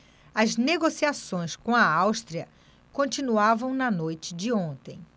as negociações com a áustria continuavam na noite de ontem